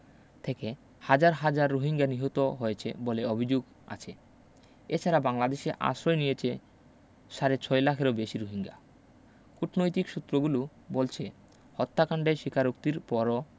থেকে হাজার হাজার রোহিঙ্গা নিহত হয়েছে বলে অভিযুগ আছে এ ছাড়া বাংলাদেশে আশ্রয় নিয়েছে সাড়ে ছয় লাখেরও বেশি রোহিঙ্গা কূটনৈতিক সূত্রগুলু বলছে হত্যাকাণ্ডের স্বীকারোক্তির পরও